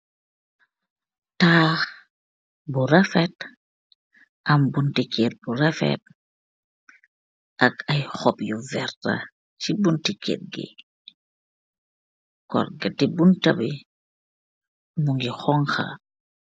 Taax bu rafet am bunti kèr bu rafet ak ay xop yu werta ci butti kér ngi, xorgétti buntabi mugeh xonxa.